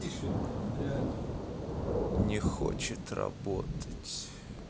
не хочет работать